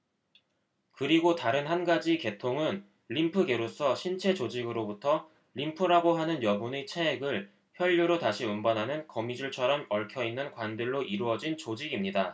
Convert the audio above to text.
그리고 다른 한 가지 계통은 림프계로서 신체 조직으로부터 림프라고 하는 여분의 체액을 혈류로 다시 운반하는 거미줄처럼 얽혀 있는 관들로 이루어진 조직입니다